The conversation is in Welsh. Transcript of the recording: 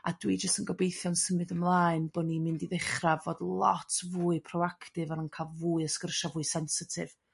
A dwi jyst yn gobeithio'n symud ymlaen bo ni'n mynd i dduchra' fod lot fwy *proactif 'fo nhw'n ca'l fwy o sgyrsia' fwy sensitif.